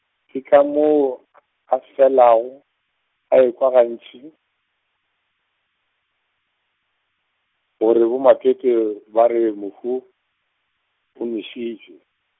ke ka moo , a felago, a ekwa gantši, gore bomatwetwe ba re mohu, o nwešitšwe.